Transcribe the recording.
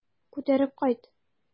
Күтәреп кайт.